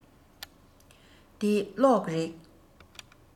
འདི གློག རེད